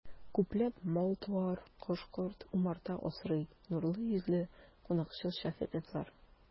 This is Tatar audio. Күпләп мал-туар, кош-корт, умарта асрый нурлы йөзле, кунакчыл шәфыйковлар.